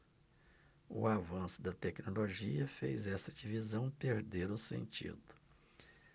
o avanço da tecnologia fez esta divisão perder o sentido